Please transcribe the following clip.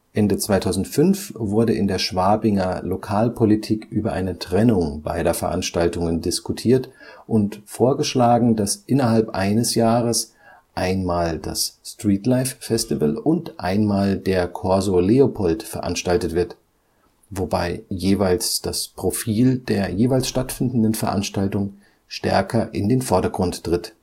Ende 2005 wurde in der Schwabinger Lokalpolitik über eine Trennung beider Veranstaltungen diskutiert und vorgeschlagen, dass innerhalb eines Jahres einmal das Streetlife Festival und einmal der Corso Leopold veranstaltet wird, wobei jeweils das Profil der jeweils stattfindenden Veranstaltung stärker in den Vordergrund tritt